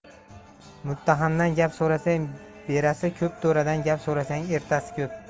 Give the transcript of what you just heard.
muttahamdan gap so'rasang berasi ko'p to'radan gap so'rasang ertasi ko'p